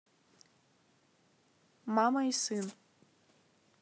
мама и сын